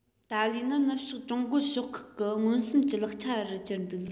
ཏཱ ལའི ནི ནུབ ཕྱོགས ཀྲུང རྒོལ ཕྱོགས ཁག གི མངོན སུམ གྱི ལག ཆ རུ གྱུར འདུག